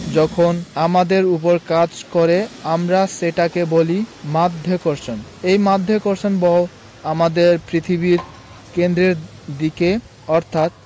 যখন আমাদের ওপর কাজ করে আমরা সেটাকে বলি মাধ্যাকর্ষণ এই মাধ্যাকর্ষণ বল আমাদের পৃথিবীর কেন্দ্রের দিকে অর্থাৎ